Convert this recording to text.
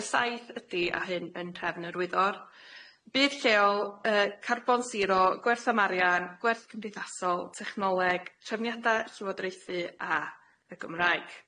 Y saith ydi a hyn yn trefn y rwyddor bydd lleol yy carbon siro gwerth am arian gwerth cymdeithasol technoleg trefniada llywodraethu a y Gymraeg.